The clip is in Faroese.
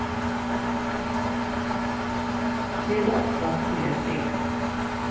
vel átta fyri at strika